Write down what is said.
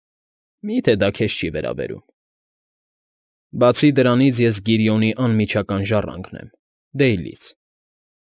Մի՞թե դա քեզ չի վերաբերում… Բացի դրանից ես Գիրիոնի անմիջական ժառանգն եմ, Դեյլից։